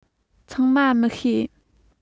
ཚང མ མི ཤེས